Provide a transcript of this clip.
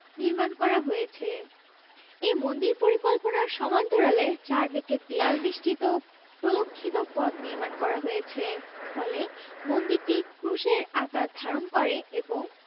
নির্মাণ করা হয়েছে এ মন্দির পরিকল্পনার সমান্তরালে চারদিকে দেয়াল বেষ্টিত প্রদক্ষিণ পথ নির্মাণ করা হয়েছে ফলে মন্দিরটি ক্রুশের আকার ধারণ করে এবং